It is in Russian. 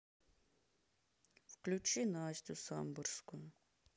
включи настю самбурскую